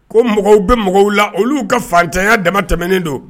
Ko mɔgɔw bɛ mɔgɔw la olu ka fatanya dama tɛmɛnen don